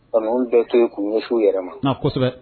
Bamananw bɛ to yen kunso yɛrɛ ma kosɛbɛ